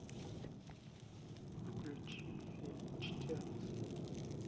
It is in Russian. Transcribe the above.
включи фильм чтец